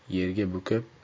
yerga bukib